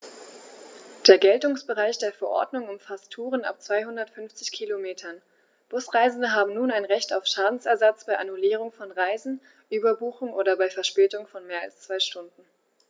Der Geltungsbereich der Verordnung umfasst Touren ab 250 Kilometern, Busreisende haben nun ein Recht auf Schadensersatz bei Annullierung von Reisen, Überbuchung oder bei Verspätung von mehr als zwei Stunden.